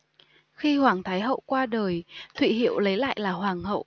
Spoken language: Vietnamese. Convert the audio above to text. khi hoàng thái hậu qua đời thụy hiệu lấy lại là hoàng hậu